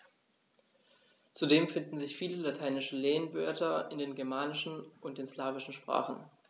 Zudem finden sich viele lateinische Lehnwörter in den germanischen und den slawischen Sprachen.